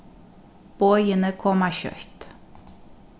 boðini koma skjótt